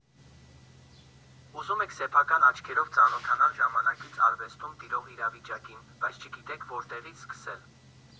Ուզում եք սեփական աչքերով ծանոթանալ ժամանակից արվեստում տիրող իրավիճակին, բայց չգիտեք որտեղի՞ց սկսել։